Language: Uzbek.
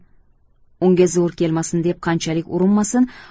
unga zo'r kelmasin deb qanchalik urinmasin